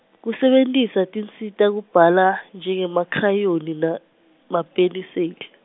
kusebentisa tinsita kubhala njengemakhrayoni namapenisel-.